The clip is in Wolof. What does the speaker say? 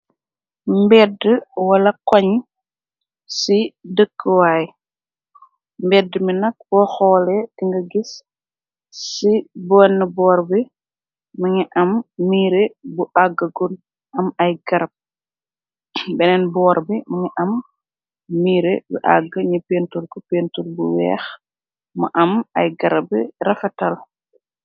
Mbedd wala xoñ ci dëkkuwaay mbedd mi nag bo xoole ti nga gis ci bonn boor bi mi ngi am miire bu àgga gun am ay garab. beneen boor bi mingi am miire bu àgg ñi pentur ku pentur bu weex mu am ay gara bi rafata.